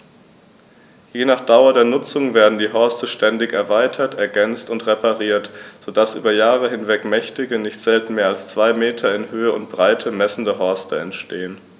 Je nach Dauer der Nutzung werden die Horste ständig erweitert, ergänzt und repariert, so dass über Jahre hinweg mächtige, nicht selten mehr als zwei Meter in Höhe und Breite messende Horste entstehen.